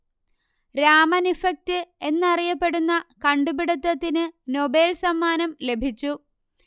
Raman effect എന്നറിയപ്പെടുന്ന കണ്ടുപിടിത്തത്തിന് Nobel സമ്മാനം ലഭിച്ചു